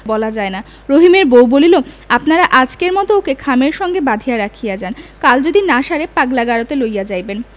বলা যায় না রহিমের বউ বলিল আপনারা আজকের মতো ওকে খামের সঙ্গে বাঁধিয়া রাখিয়া যান কাল যদি না সারে পাগলা গারদে লইয়া যাইবেন